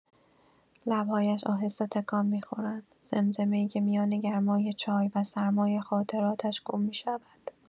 لب‌هایش آهسته تکان می‌خورند، زمزمه‌ای که میان گرمای چای و سرمای خاطراتش گم می‌شود.